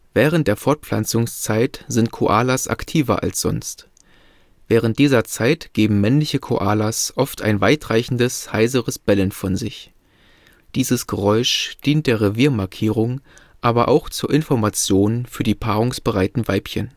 Während der Fortpflanzungszeit sind Koalas aktiver als sonst. Während dieser Zeit geben männliche Koalas oft ein weitreichendes, heiseres Bellen von sich. Dieses Geräusch dient der Reviermarkierung, aber auch zur Information für die paarungsbereiten Weibchen